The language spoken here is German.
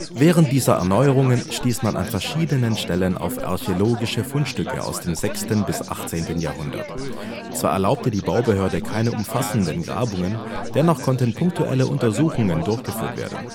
Während dieser Erneuerungen stieß man an verschiedenen Stellen auf archäologische Fundstücke aus dem 6. bis 18. Jahrhundert. Zwar erlaubte die Baubehörde keine umfassenden Grabungen, dennoch konnten punktuelle Untersuchungen durchgeführt werden